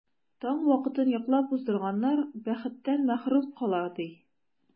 Таң вакытын йоклап уздырганнар бәхеттән мәхрүм кала, ди.